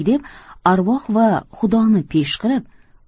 deb arvoh va xudoni pesh qilib